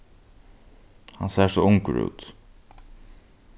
hann sær so ungur út